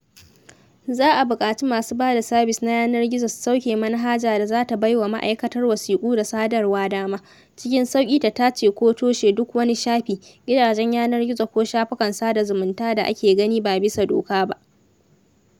Za a buƙaci masu ba da sabis na yanar gizo su sauƙe manhaja da za ta bai wa Ma’aikatar Wasiƙu da Sadarwa dama “cikin sauƙi ta tace ko toshe duk wani shafi, gidajen yanar gizo ko shafukan sada zumunta da ake gani ba bisa doka ba.”